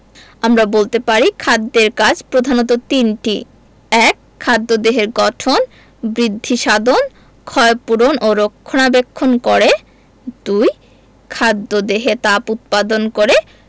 আমরা বলতে পারি খাদ্যের কাজ প্রধানত তিনটি ১. খাদ্য দেহের গঠন বৃদ্ধিসাধন ক্ষয়পূরণ ও রক্ষণাবেক্ষণ করে ২. খাদ্য দেহে তাপ উৎপাদন করে